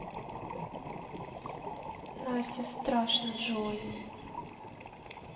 настя страшно джой